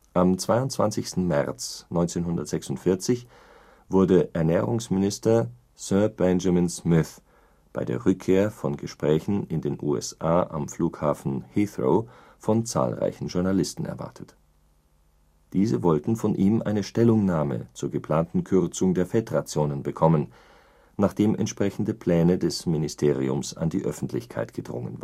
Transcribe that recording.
Am 22. März 1946 wurde Ernährungsminister Sir Benjamin Smith bei der Rückkehr von Gesprächen in den USA am Flughafen Heathrow von zahlreichen Journalisten erwartet. Diese wollten von ihm eine Stellungnahme zur geplanten Kürzung der Fettrationen bekommen, nachdem entsprechende Pläne des Ministeriums an die Öffentlichkeit gedrungen